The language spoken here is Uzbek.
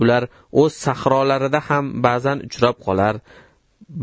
ular o'z sahrolarida ham ba'zan uchrab qolar